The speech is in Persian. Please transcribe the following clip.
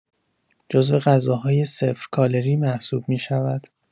جزو غذاهای صفر کالری محسوب می‌شود.